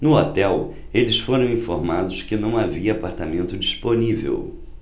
no hotel eles foram informados que não havia apartamento disponível